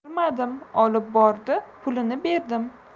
bilmadim olib bordi pulini berdim